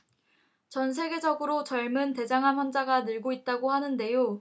전 세계적으로 젊은 대장암 환자가 늘고 있다고 하는데요